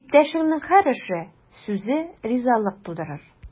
Иптәшеңнең һәр эше, сүзе ризалык тудырыр.